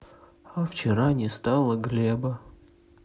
а вчера не стало глеба